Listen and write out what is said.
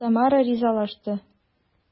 Тамара ризалашты.